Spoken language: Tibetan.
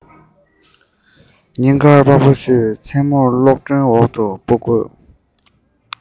ཉིན དཀར པགས པ བཤུས མཚན མོར གློག སྒྲོན འོག ཏུ འབུ བརྐོས